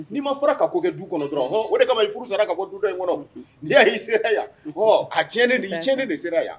N'i ma fara ka ko kɛ du kɔnɔ dɔrɔn, o de kama i furu sara ka bɔ du dɔ in kɔnɔ, ni ya y' i sera yan ɔ a tiɲɛ i tiɲɛlen de sera yan